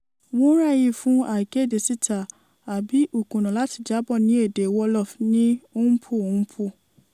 Wúnrẹ̀n fún "àìkédesíta" àbí "ìkùnà láti jábọ̀" ní èdè Wolof ní ndeup neupal (tí pípè rẹ̀ jẹ́ "n-puh n-puh").